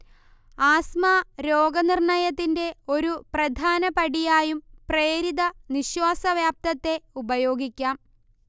asthma രോഗനിർണയത്തിന്റെ ഒരു പ്രധാന പടിയായും പ്രേരിത നിശ്വാസ വ്യാപ്തത്തെ ഉപയോഗിക്കാം